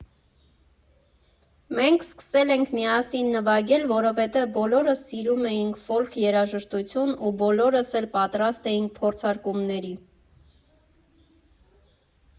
Մենք սկսել ենք միասին նվագել, որովհետև բոլորս սիրում էինք ֆոլք երաժշտություն ու բոլորս էլ պատրաստ էինք փորձարկումների։